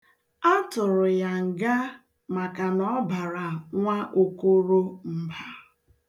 A tụrụ ya nga maka na ọ bara nwa Okoro mba.